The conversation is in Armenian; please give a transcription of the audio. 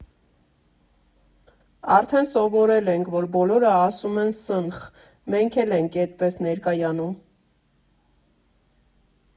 Արդեն սովորել ենք, որ բոլորը ասում են Սնխ, մենք էլ ենք էդպես ներկայանում։